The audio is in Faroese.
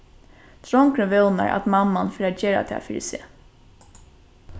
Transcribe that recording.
drongurin vónar at mamman fer at gera tað fyri seg